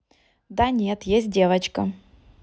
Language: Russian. да нет есть девочка